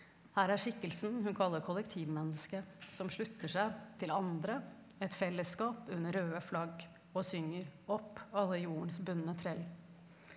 her er skikkelsen hun kaller kollektivmennesket som slutter seg til andre et fellesskap under røde flagg og synger opp alle jordens bundne trell.